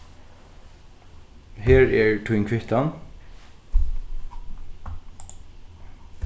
her er tín kvittan